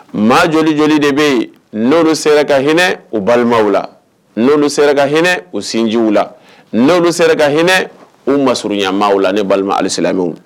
Maa joli joli de bɛ yen n'oolu sera ka hinɛ u balimaw la n'o sera ka hinɛ u sinji u la n'oolu sera ka hinɛ u masurunyamaa la ne balima ali silamɛw